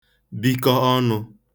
bikọ ọnū